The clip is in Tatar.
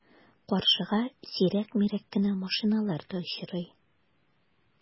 Каршыга сирәк-мирәк кенә машиналар да очрый.